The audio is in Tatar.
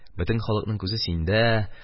Бөтен халыкның күзе синдә